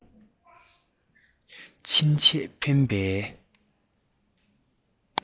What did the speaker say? ཕྱིན ཆད ཕན པའི